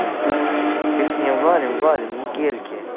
песня валим валим на гелике